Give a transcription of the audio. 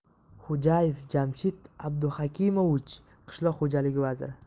xo'jayev jamshid abduhakimovich qishloq xo'jaligi vaziri